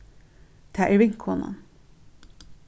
tað er vinkonan